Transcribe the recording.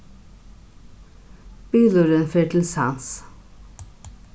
bilurin fer til sands